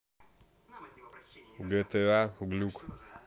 гта глюк